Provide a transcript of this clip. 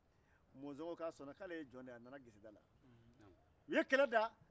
mɔzɔn ko k'a sɔnna k'ale jɔn de ye k'a nana geseda la